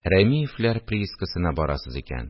Рәмиевләр приискасына барасыз икән